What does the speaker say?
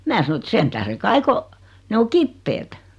minä sanoin että sen tähden kai kun ne on kipeät